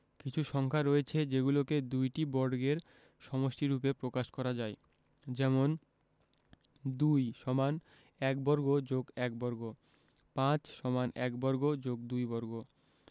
কিছু সংখ্যা রয়েছে যেগুলোকে দুইটি বর্গের সমষ্টিরুপে প্রকাশ করা যায় যেমনঃ ২ = ১ বর্গ + ১ বর্গ ৫ = ১ বর্গ + ২ বর্গ